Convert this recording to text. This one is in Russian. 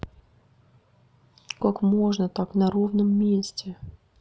как можно так на ровном месте